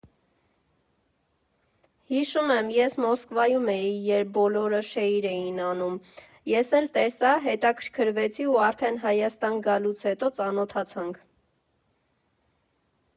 Հիշում եմ, ես Մոսկվայում էի, երբ բոլորը շեյր էին անում, ես էլ տեսա, հետաքրքվեցի ու արդեն Հայաստան գալուց հետո ծանոթացանք։